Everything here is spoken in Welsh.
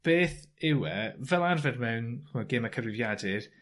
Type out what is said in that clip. beth yw e fel arfer mewn ch'mod geme cyfrifiadur